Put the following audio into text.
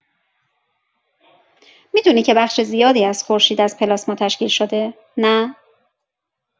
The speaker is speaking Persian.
می‌دونی که بخش زیادی از خورشید از پلاسما تشکیل شده، نه؟